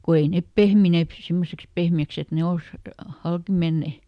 kun ei ne pehmineet - semmoiseksi pehmeäksi että ne olisi halki menneet